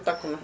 takku na